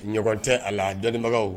Ɲɔgɔn tɛ a la dɔnnibagaw